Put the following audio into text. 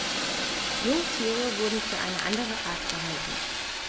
Jungtiere wurden für eine andere Art gehalten.